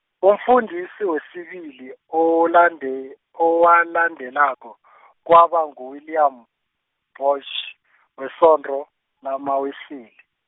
umfundisi wesibili olande- owalandelako , kwaba ngu- William Boyce wesondo, lamaWeseli.